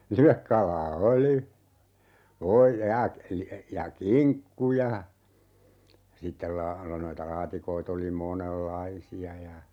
livekalaa oli - ja ja kinkku ja sitten -- noita laatikoita oli monenlaisia ja